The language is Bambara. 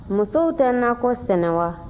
muso tɛ nakɔ sɛnɛ wa